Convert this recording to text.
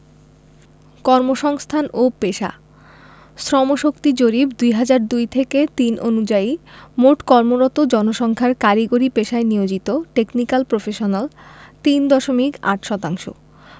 কর্মসংস্থান ও পেশাঃ শ্রমশক্তি জরিপ ২০০২ ০৩ অনুযায়ী মোট কর্মরত জনসংখ্যার কারিগরি পেশায় নিয়োজিত টেকনিকাল প্রফেশনাল ৩ দশমিক ৮ শতাংশ